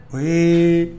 Ee